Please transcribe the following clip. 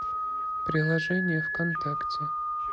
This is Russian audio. приложение вконтакте